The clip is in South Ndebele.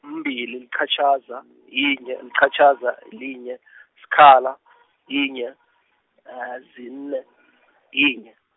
mbili, liqhatjhaza , yinye, liqhatjhaza, linye , sikhala , yinye, zine , yinye.